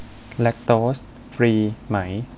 แลคโตสฟรีไหม